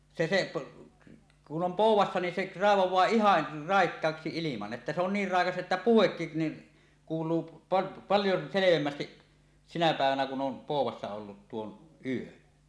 se se kun on poudassa niin se raivaa ihan raikkaaksi ilman että se on niin raikas että puhekin niin kuuluu - paljon selvemmin sinä päivänä kun on poudassa ollut tuon yön